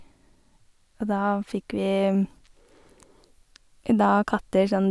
Og da fikk vi da katter sånn...